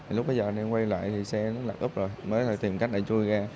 lúc bấy giờ em quay lại thì xe lật úp rồi mới lại tìm cách để chui ra